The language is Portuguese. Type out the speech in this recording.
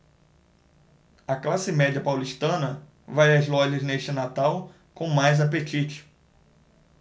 a classe média paulistana vai às lojas neste natal com mais apetite